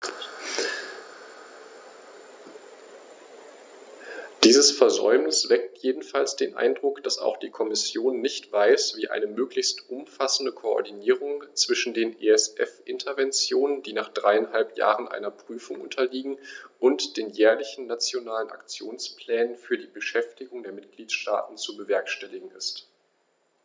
Dieses Versäumnis weckt jedenfalls den Eindruck, dass auch die Kommission nicht weiß, wie eine möglichst umfassende Koordinierung zwischen den ESF-Interventionen, die nach dreieinhalb Jahren einer Prüfung unterliegen, und den jährlichen Nationalen Aktionsplänen für die Beschäftigung der Mitgliedstaaten zu bewerkstelligen ist.